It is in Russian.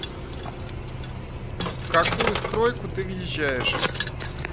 в какую стройку ты въезжаешь